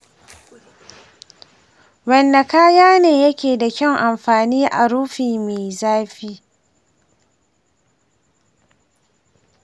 wanne kayane yakeda kyaun anfani a rufi mai zafi?